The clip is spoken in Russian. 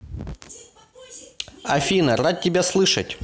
афина рад тебя слышать